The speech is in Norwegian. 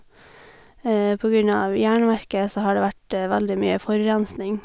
På grunn av jernverket så har det vært veldig mye forurensning.